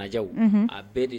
Naaw a bɛɛ de